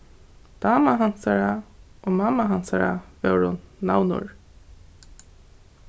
dama hansara og mamma hansara vóru navnur